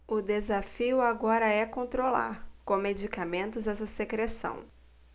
o desafio agora é controlar com medicamentos essa secreção